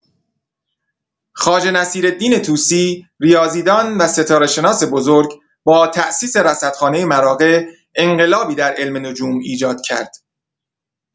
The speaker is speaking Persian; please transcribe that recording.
خواجه نصیرالدین طوسی، ریاضیدان و ستاره‌شناس بزرگ، با تأسیس رصدخانه مراغه، انقلابی در علم نجوم ایجاد کرد.